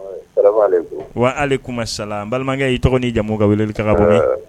Wa ale kuma sala balimakɛ y'i tɔgɔ ni jamu ka wele kan bɔ